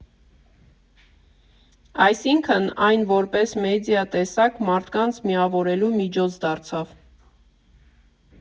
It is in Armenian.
Այսինքն, այն որպես մեդիա տեսակ մարդկանց միավորելու միջոց դարձավ։